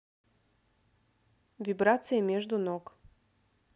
вибрация между ног